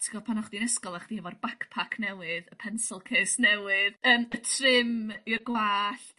...t'god pan o' chdi yn ysgol a chdi efo'r bacpack newydd pencil case newydd yn py- trim i'r gwallt...